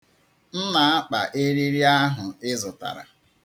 M na-akpa eriri ahụ ị zụtara.